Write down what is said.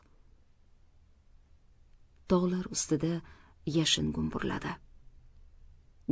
tog'lar ustida yashin gumburladi